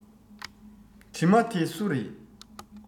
གྲིབ མ དེ སུ རེད